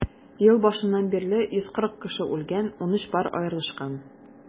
Ел башыннан бирле 140 кеше үлгән, 13 пар аерылышкан.